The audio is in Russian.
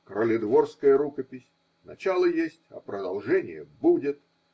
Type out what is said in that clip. Краледворская рукопись; начало есть. а продолжение будет.